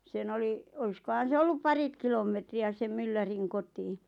sen oli olisikohan se ollut pari kilometriä sen myllärin kotiin